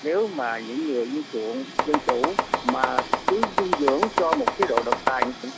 nếu mà những người yêu chuộng dân chủ mà cứ dung dưỡng cho một chế độ độc tài